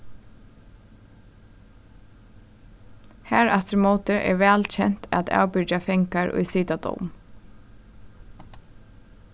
harafturímóti er væl kent at avbyrgja fangar ið sita dóm